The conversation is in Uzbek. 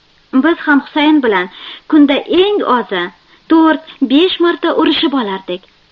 biz ham husayn bilan kunda eng ozi to'rt besh marta urishib olardik